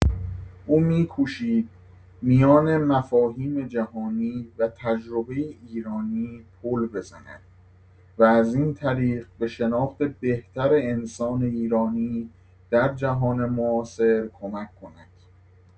او می‌کوشید میان مفاهیم جهانی و تجربه ایرانی پل بزند و از این طریق به شناخت بهتر انسان ایرانی در جهان معاصر کمک کند.